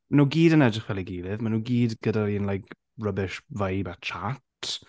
Maen nhw gyd yn edrych fel i gilydd. Maen nhw gyd gyda'r un like rubbish vibe a chat.